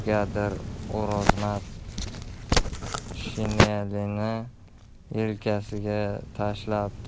brigadir o'rozmat shinelini yelkasiga tashlabdi